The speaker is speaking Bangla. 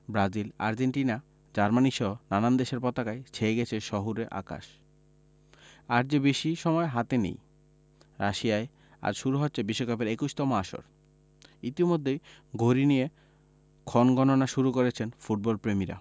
ব্রাজিল আর্জেন্টিনা জার্মানিসহ নানান দেশের পতাকায় ছেয়ে গেছে শহুরে আকাশ আর যে বেশি সময় হাতে নেই রাশিয়ায় আজ শুরু হচ্ছে বিশ্বকাপের ২১তম আসর ইতিমধ্যেই ঘড়ি নিয়ে ক্ষণগণনা শুরু করেছেন ফুটবলপ্রেমীরা